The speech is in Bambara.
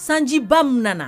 Sanjiba min nana